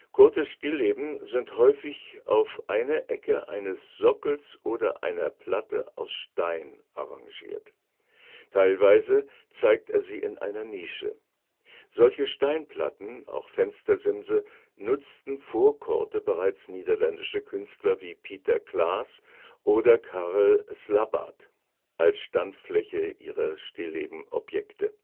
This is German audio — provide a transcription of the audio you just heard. Coortes Stillleben sind häufig auf einer Ecke eines Sockels oder einer Platte aus Stein arrangiert, teilweise zeigt er sie in einer Nische. Solche Steinplatten – auch Fenstersimse – nutzten vor Coorte bereits niederländische Künstler wie Pieter Claesz oder Karel Slabbaert als Standfläche ihrer Stilllebenobjekte